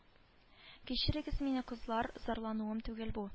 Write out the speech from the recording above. Кичерегез мине кызлар зарлануым түгел бу